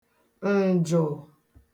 ǹjụ̀